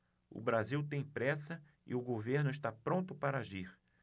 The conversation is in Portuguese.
o brasil tem pressa e o governo está pronto para agir